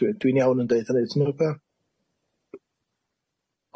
dwi'n iawn yn deud hynny ti'n gwbo?